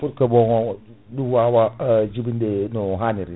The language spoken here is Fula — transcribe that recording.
pour bon ɗum wawa jiibinde no hanniri ni